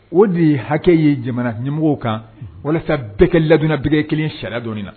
O de ye hakɛ ye jamana ɲɛmɔgɔ kan walasa bɛɛ kɛ laduna b kelen sariya dɔ na